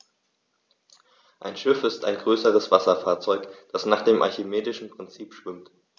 Ein Schiff ist ein größeres Wasserfahrzeug, das nach dem archimedischen Prinzip schwimmt.